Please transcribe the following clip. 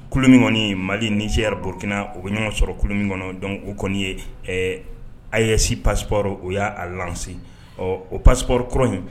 Kulu min kɔni mali nijɛurukina o bɛ ɲɔgɔn sɔrɔ kulu min kɔnɔ dɔn o kɔni ye ayesi pasp o y'a se ɔ o passip kɔrɔ in